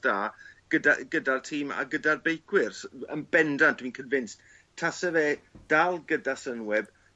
da gyda gyda'r tîm a gyda'r beicwyr s- yn bendant dwi'n convinced tase fe dal gyda Sunweb